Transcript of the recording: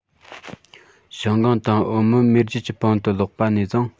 ཞང ཀང དང ཨའོ མོན མེས རྒྱལ གྱི པང དུ ལོག པ ནས བཟུང